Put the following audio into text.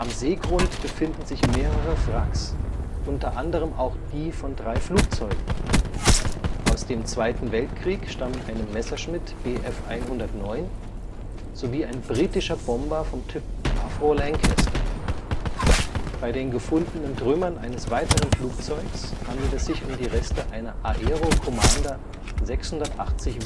Seegrund befinden sich mehrere Wracks, unter anderem auch die von drei Flugzeugen. Aus dem Zweiten Weltkrieg stammen eine Messerschmitt Bf 109 sowie ein britischer Bomber vom Typ Avro Lancaster. Bei den gefundenen Trümmern eines weiteren Flugzeugs handelt es sich um die Reste einer Aero Commander 680W